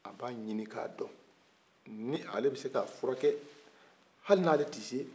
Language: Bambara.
a b'a ɲini ka dɔ ni ale bi se ka fura kɛ